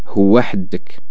هو هاداك